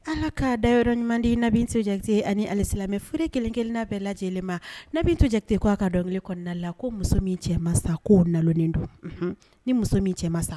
Ala ka da yɔrɔ ɲuman di na jate ani halisimɛ foli kelen- kelenina bɛɛ lajɛ lajɛlen ma nabi to jatete k ko aa ka dɔnkili kɔnɔna la ko muso min cɛ masa sa ko nanen don ni muso min cɛ ma sa